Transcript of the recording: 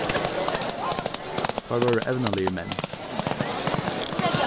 teir vóru evnaligir menn